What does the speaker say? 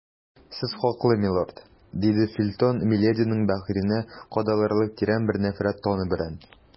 Сез хаклы, милорд, - диде Фельтон милединың бәгыренә кадалырлык тирән бер нәфрәт тоны белән.